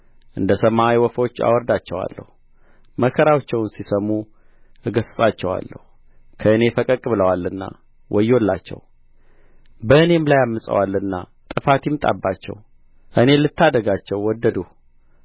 እንደ ሰማይ ወፎች አወርዳቸዋለሁ መከራቸውን ሲሰሙ እገሥጻቸዋለሁ ከእኔ ፈቀቅ ብለዋልና ወዮላቸው በእኔም ላይ ዐመፀዋልና ጥፋት ይምጣባቸው እኔ ልታደጋቸው ወደድሁ